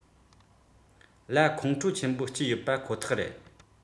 ལ ཁོང ཁྲོ ཆེན པོ སྐྱེས ཡོད པ ཁོ ཐག རེད